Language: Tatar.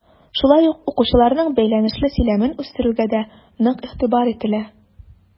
Шулай ук укучыларның бәйләнешле сөйләмен үстерүгә дә нык игътибар ителә.